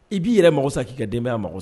I b'i yɛrɛ mɔgɔ san k' ka denbaya a mɔgɔ sa